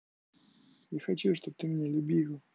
я хочу чтобы ты меня любил